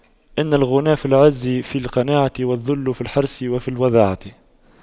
إن الغنى والعز في القناعة والذل في الحرص وفي الوضاعة